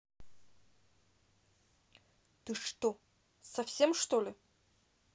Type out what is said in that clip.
ты что совсем что ли